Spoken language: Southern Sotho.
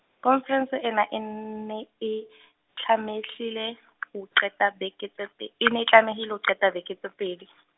khonferense ena e ne e , tlamehile, ho qeta beke tse pe-, e ne e tlamehile ho qeta beke tse pedi.